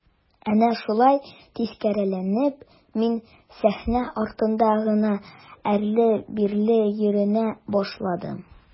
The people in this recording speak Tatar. Әнә шулай тискәреләнеп мин сәхнә артында гына әрле-бирле йөренә башладым.